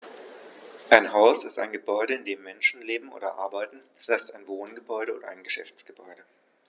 Ein Haus ist ein Gebäude, in dem Menschen leben oder arbeiten, d. h. ein Wohngebäude oder Geschäftsgebäude.